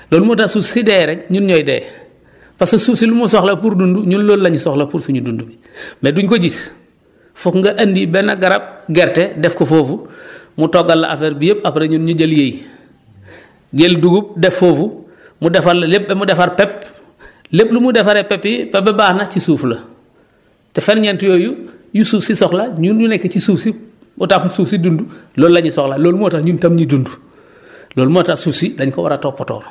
loolu moo tax suuf si dee rek ñun ñooy dee parce que suuf si lu mu soxla pour dund ñun loolu la ñu soxla pour suñu dund bi mais du ñu ko gis foog nga andi benn garab gerte def ko foofu mu toggal la affaire bi yëpp après ñu jël yëy jël dugub def foofu mu defal la lépp ba mu defar pepp lépp lu mu defaree pepp yi pepp bi baax na ci suuf la te ferñeent yooyu yu suuf si soxla ñun ñu nekk ci suuf si ba tax suuf si dund loolu la ñu soxla loolu moo tax énun tam ñu dund loolu moo tax suuf si dañ ko war a toppatoo